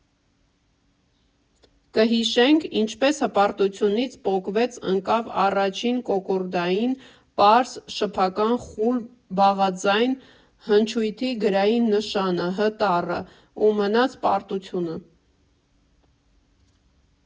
Կհիշենք՝ ինչպես հպարտությունից պոկվեց ընկավ առաջին՝ կոկորդային, պարզ, շփական, խուլ, բաղաձայն հնչույթի գրային նշանը՝ հ տառը, ու մնաց պարտությունը։